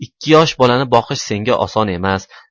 ikki yosh bolani boqish senga oson emas